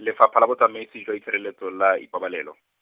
Lefapha la Botsamaisi jwa Itshireletso le Ipabalelo.